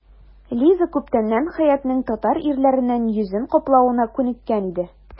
Лиза күптәннән Хәятның татар ирләреннән йөзен каплавына күнеккән иде.